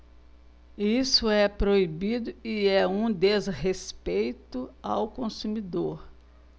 isso é proibido e é um desrespeito ao consumidor